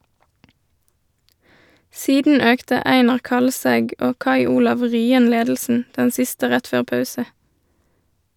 Siden økte Einar Kalsæg og Kai Olav Ryen ledelsen, den siste rett før pause.